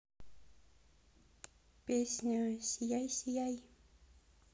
песня сияй сияй